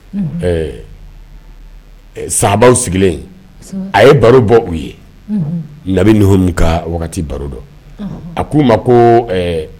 Sa sigilen a ye baro bɔ u ye ka baro a k ko u ma ko